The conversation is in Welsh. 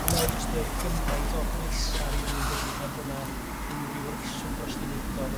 A mae o jyst yrr gymaint o blesar i rywun dydi heb bo' 'na unrhyw reswm dros dim udo